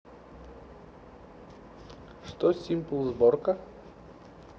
что simple сборка